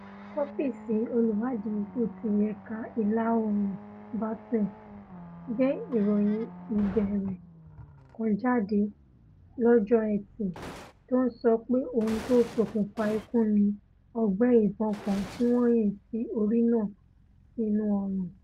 Ọ́fíisì Olùwáàdí Ikú ti Ẹ̀ka Ìla Oòrùn Baton gbé ìròyìn ìbẹ̀rẹ̀ kan jadé lọ́jọ́ Ẹtì, tó ńsọ pé ohun tó ṣokùnfa ikù ní ọgbẹ́ ìbọn kan tí wọn yìn sí orí náà sínú ọrùn.